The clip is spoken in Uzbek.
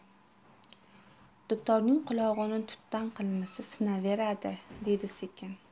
dutorning qulog'ini tutdan qilmasa sinaveradi dedi sekin